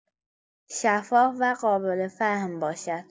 شفاف و قابل‌فهم باشد!